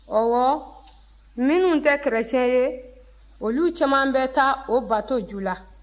ɔwɔ minnu tɛ kerecɛn ye olu caman bɛ taa o bato ju la